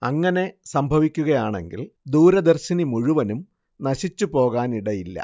അങ്ങനെ സംഭവിക്കുകയാണെങ്കിൽ ദൂരദർശിനി മുഴുവനും നശിച്ചുപോകാനിടയില്ല